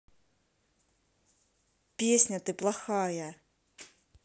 песня ты плохая